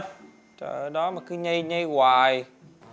trời ơi đói mà cứ nhây nhây hoài